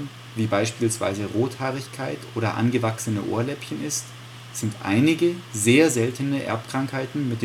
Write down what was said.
einige sehr seltene Erbkrankheiten